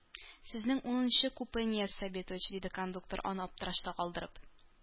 Сезнең унынчы купе, Нияз Сабитович, диде кондуктор, аны аптырашта калдырып.